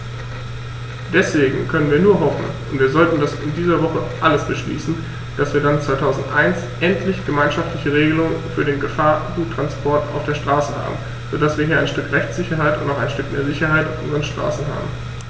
Deswegen können wir nur hoffen - und wir sollten das in dieser Woche alles beschließen -, dass wir dann 2001 endlich gemeinschaftliche Regelungen für den Gefahrguttransport auf der Straße haben, so dass wir hier ein Stück Rechtssicherheit und auch ein Stück mehr Sicherheit auf unseren Straßen haben.